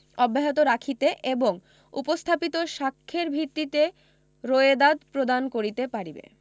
অব্যাহত রাখিতে এবং উপস্থাপিত সাক্ষ্যের ভিত্তিতে রোয়েদাদ প্রদান করিতে পারিবে